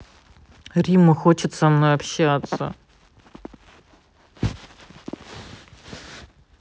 римма хочет со мной общаться